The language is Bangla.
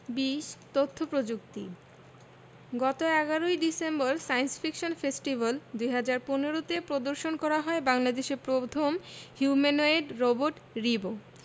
২০ তথ্য প্রযুক্তি গত ১১ ডিসেম্বর সায়েন্স ফিকশন ফেস্টিভ্যাল ২০১৫ তে প্রদর্শন করা হয় বাংলাদেশের প্রথম হিউম্যানোয়েড রোবট রিবো